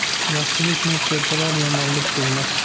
yaxshilik nur keltirar yomonlik zulmat